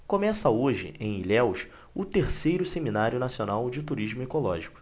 começa hoje em ilhéus o terceiro seminário nacional de turismo ecológico